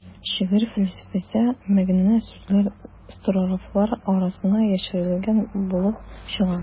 Шигъри фәлсәфә, мәгънә-сүзләр строфалар арасына яшерелгән булып чыга.